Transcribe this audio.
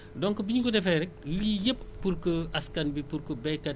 donc gouvernement bi daf koo soññoon depuis ci loi boobu